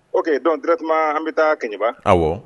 O dɔndi tuma an bɛ taa kɛɲɛba aw